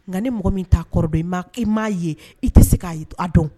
Nka ni mɔgɔ min'a kɔrɔ i ma i m maa ye i tɛ se k'a a dɔn